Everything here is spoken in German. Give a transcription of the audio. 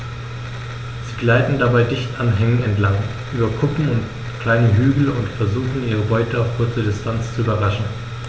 Sie gleiten dabei dicht an Hängen entlang, über Kuppen und kleine Hügel und versuchen ihre Beute auf kurze Distanz zu überraschen.